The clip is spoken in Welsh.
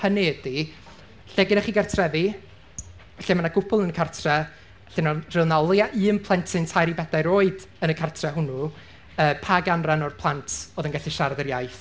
Hynny ydy, lle gennych chi cartrefi, lle ma' 'na gwpwl yn y cartre, lle 'na... lle oedd 'na o leia un plentyn, tair i bedair oed yn y cartre hwnnw, pa ganran o'r plant oedd yn gallu siarad yr iaith?